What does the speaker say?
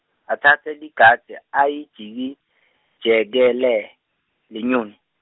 atsatse ligadze, ayijikijekele, lenyoni.